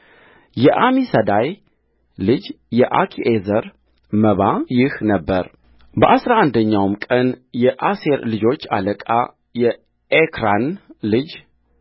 የአሚሳዳይ ልጅ የአኪዔዘር መባ ይህ ነበረበአሥራ አንደኛውም ቀን የአሴር ልጆች አለቃ የኤክራን ልጅ